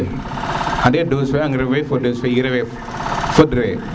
anda ye dos fe engrais le fo dos fe ire fe fod re